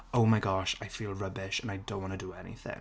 Oh my gosh, I feel rubbish and I don't want to do anything.